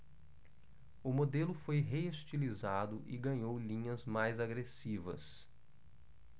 o modelo foi reestilizado e ganhou linhas mais agressivas